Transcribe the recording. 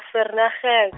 Verneging.